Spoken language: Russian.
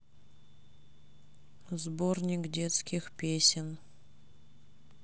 сборник детских песен